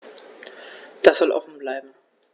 Das soll offen bleiben.